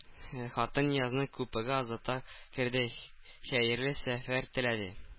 Хатын Ниязны купега озата керде, хәерле сәфәр теләде